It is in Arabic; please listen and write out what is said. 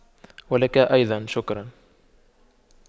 ولك أيضا شكرا